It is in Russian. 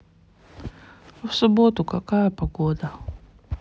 а в субботу какая погода